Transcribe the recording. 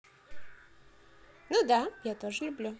ну да я тоже люблю